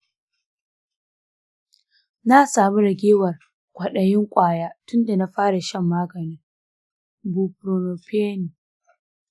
na samu ragewar kwaɗayin ƙwaya tun da na fara shan maganin buprenorphine.